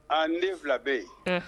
A n den 2 bɛ yen.